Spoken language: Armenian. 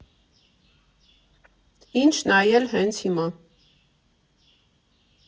Ինչ նայել հենց հիմա.